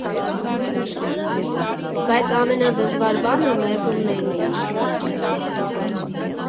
Բայց ամենադժվար բանը մերժումներն էին։